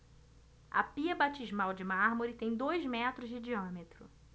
a pia batismal de mármore tem dois metros de diâmetro